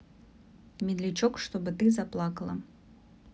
медлячок чтобы ты заплакала